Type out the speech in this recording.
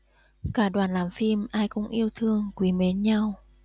cả đoàn làm phim ai cũng yêu thương quý mến nhau